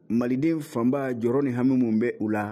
Maliden fanba jɔ ni hamimmu bɛ u la